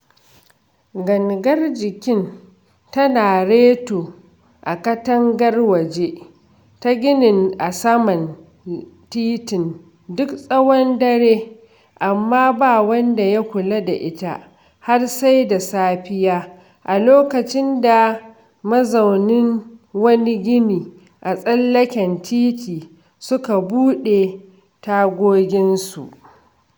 Gangar jikin tana reto a katangar waje ta ginin a saman titin duk tsawon dare, amma ba wanda ya kula da ita har sai da safiya a lokacin da mazaunan wani gini a tsallaken titi suka buɗe tagoginsu.